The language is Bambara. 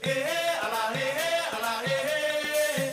Kelen ainɛ ainɛ